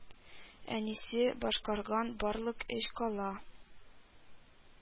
Әнисе башкарган барлык эш кала